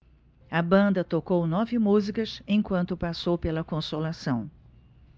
a banda tocou nove músicas enquanto passou pela consolação